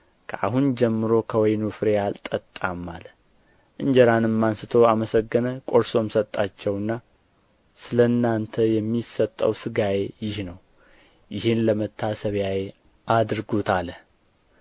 ከአሁን ጀምሮ ከወይኑ ፍሬ አልጠጣም አለ እንጀራንም አንሥቶ አመሰገነ ቆርሶም ሰጣቸውና ስለ እናንተ የሚሰጠው ሥጋዬ ይህ ነው ይህን ለመታሰቢያዬ አድርጉት አለ